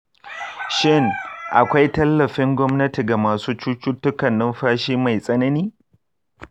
shin akwai tallafin gwamnati ga masu cututtukan numfashi mai tsanani?